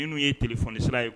Ninnu ye t fonisi sira ye